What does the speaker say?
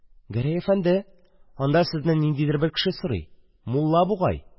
– гәрәй әфәнде, анда сезне ниндидер бер кеше сорый... мулла бугай...